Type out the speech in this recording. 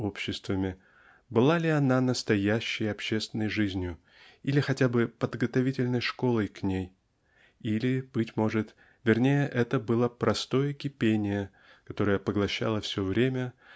обществами -- была ли она настоящей общественной жизнью или хотя бы подготовительной школой к ней? Или быть может вернее это было простое кипение которое поглощало все время